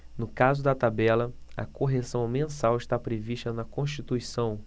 no caso da tabela a correção mensal está prevista na constituição